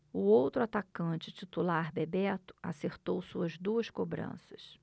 o outro atacante titular bebeto acertou suas duas cobranças